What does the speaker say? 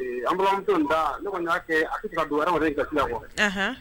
An ne kɔni y'a kɛ a ka don aladama ka la